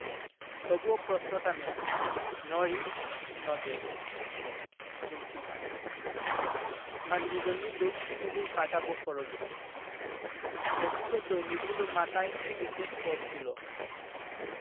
তবুও প্রশ্নটা main no risk no gain principle মান্যিগন্যি লোক সহজেই পাঠাবো পরলোকে এদিকে দৈনিকগুলো মাথায় এঁটেছে পরচুলো